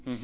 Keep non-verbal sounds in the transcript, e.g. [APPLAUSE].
[HESITATION] [HESITATION]